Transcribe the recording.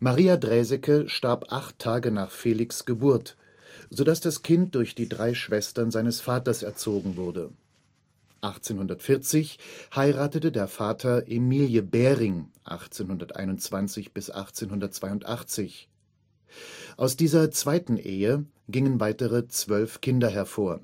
Maria Draeseke starb acht Tage nach Felix ' Geburt, sodass das Kind durch die drei Schwestern seines Vaters erzogen wurde. 1840 heiratete der Vater Emilie Bähring (1821 - 1882). Aus dieser zweiten Ehe gingen weitere zwölf Kinder hervor.